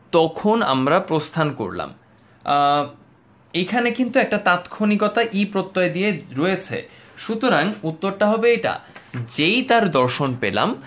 তখন আমরা প্রস্থান করলাম এখানে কিন্তু একটা তাৎক্ষণিকতা ই প্রত্যয় টা দিয়ে রয়েছে সুতরাং উত্তরটা হবে এটা যেই তার দর্শন পেলাম